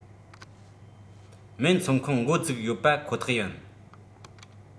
སྨན ཚོང ཁང འགོ འཛུགས ཡོད པ ཁོ ཐག ཡིན